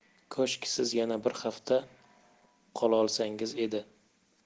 koshki siz yana bir hafta qolaolsangiz edi